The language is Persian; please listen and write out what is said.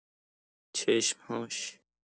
چشم‌هاش